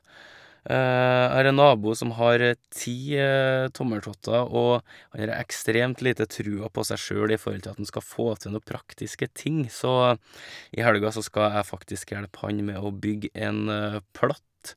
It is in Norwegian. Jeg har en nabo som har ti tommeltotter, og han har ekstremt lite trua på seg sjøl i forhold til at han skal få til noe praktiske ting, så i helga så skal jeg faktisk hjelpe han med å bygge en platt.